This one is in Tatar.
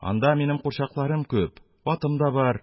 Анда минем курчакларым күп, атым да бар,